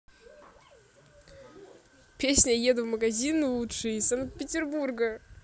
песня еду в магазин лучший санкт петербурга